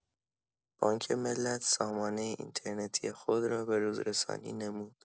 بانک ملت سامانه اینترنتی خود را به‌روزرسانی نمود.